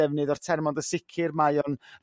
defnydd o'r term ond bo sicr mae o'n